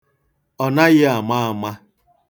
Ọ naghị ama ama.